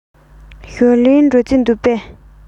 ཞའོ ལིའི འགྲོ རྩིས འདུག གས